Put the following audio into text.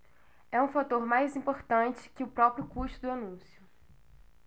é um fator mais importante que o próprio custo do anúncio